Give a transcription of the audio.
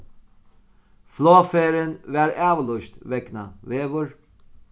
flogferðin varð avlýst vegna veður